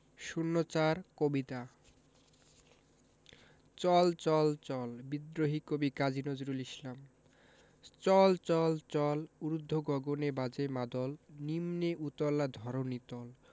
০৪ কবিতা চল চল চল বিদ্রোহী কবি কাজী নজরুল ইসলাম চল চল চল ঊর্ধ্ব গগনে বাজে মাদল নিম্নে উতলা ধরণি তল